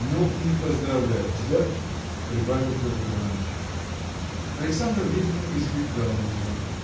– Ну, и поздравляю тебя, – прибавил Петр Иваныч. Александр видимо избегал его.